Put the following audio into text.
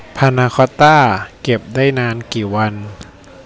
พานาคอตต้าเก็บได้นานกี่วัน